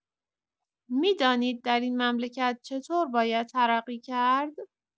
می‌دانید در این مملکت چطور باید ترقی کرد؟